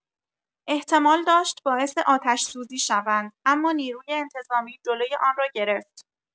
احتمال داشت باعث آتش‌سوزی شوند، امانیروی انتظامی جلوی آن را گرفت.